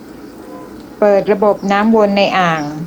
เปิดระบบน้ำวนในอ่าง